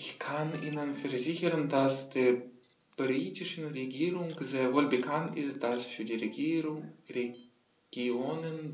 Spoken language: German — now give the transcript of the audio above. Ich kann Ihnen versichern, dass der britischen Regierung sehr wohl bekannt ist, dass für die Regionen